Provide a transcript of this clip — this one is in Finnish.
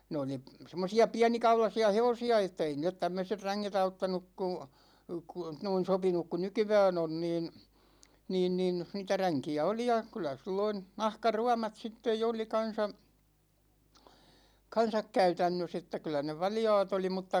ne oli semmoisia pienikaulaisia hevosia että ei niille tämmöiset ränget auttanut kun kun noin sopinut kuin nykyään on niin niin niin niitä ränkiä oli ja kyllä silloin nahkaruomat sitten jo oli kanssa kanssa käytännössä että kyllä ne valjaat oli mutta